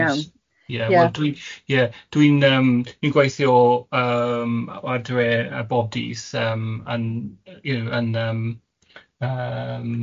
Ie wel dwi, ie dwi'n yym dwi'n gwaithio yym o adre bob dydd yym yn you know yn yym yym